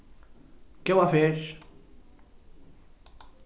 góða ferð